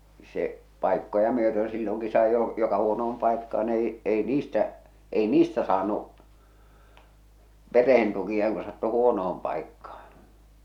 se paikkoja myöten silloinkin sai jo joka huonoon paikkaan ei ei niistä ei niistä saanut perheen tukia kun sattui huonoon paikkaan